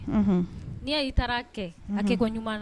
N'i y y'i taara kɛ a kɛ ko ɲuman